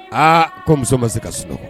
Aa ko muso ma se ka sunɔgɔ